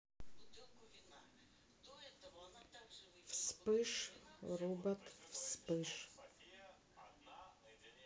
вспыш робот вспыш